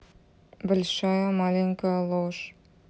большая маленькая ложь